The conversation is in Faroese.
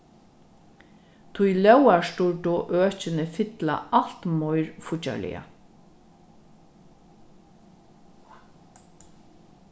tí lógarstýrdu økini fylla alt meir fíggjarliga